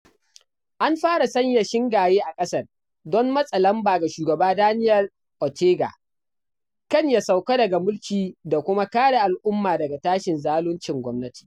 An fara sanya shingaye a ƙasar don matsa lamba ga Shugaba Daniel Ortega kan ya sauka daga mulki dakuma kare al’umma daga tashin zaluncin gwamnati.